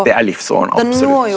det er livsåren absolutt.